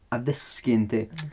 Addysgu yndi?